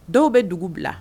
Dɔw bɛ dugu bila